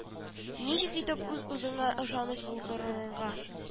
Ничек итеп үз-үзеңә ышаныч булдырырга